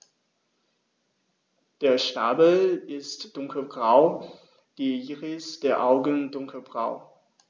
Der Schnabel ist dunkelgrau, die Iris der Augen dunkelbraun.